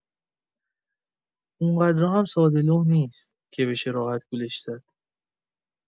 اونقدرا هم ساده‌لوح نیست که بشه راحت گولش زد.